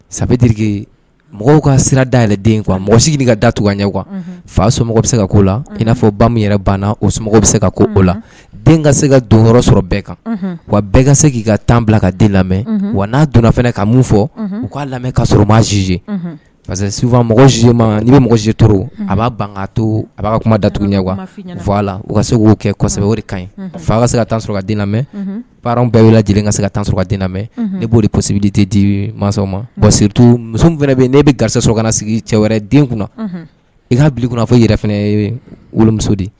Sabubɛ terikɛ mɔgɔw ka sira dayɛlɛnden kuwa a mɔgɔ sigi ka datugu ɲɛ fa so bɛ se ka ko la i'a fɔ bamu yɛrɛ banna o bɛ se ka la den ka se ka donyɔrɔ sɔrɔ bɛɛ kan wa bɛɛ ka se k'i ka tan bila ka den lamɛn wa n'a donna fana ka mun fɔ u kaa lamɛn ka sɔrɔ maa zie parce que sufa mɔgɔ zema n'i bɛ mɔgɔ zetoro a b'a ban to a b'a kuma datugu ɲɛ fɔ a la u ka se'o kɛsɛbɛ o ka ɲi fa ka se ka taa s a diinamɛ baararaw bɛɛ wele lajɛlen ka se ka taa s a diinamɛ e b'o desibidi tɛ dibi mansaw ma siritu muso fana bɛ ne bɛ gari so sigi cɛ wɛrɛ den kunna i hakili bila kunna fɔ yɛrɛ fana wolomuso di